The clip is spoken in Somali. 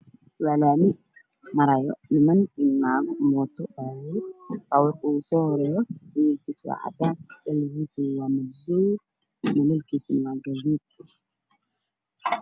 Barnaamij waxaa maraayo gaari bajaajta kalar gaariga wacdaan bajaajta gudi ayaa ka taagan